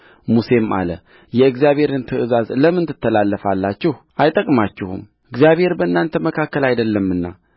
ሙሴም አለ የእግዚአብሔርን ትእዛዝ ለምን ትተላለፋላችሁ አይጠቅማችሁምእግዚአብሔር በእናንተ መካከል አይደለምና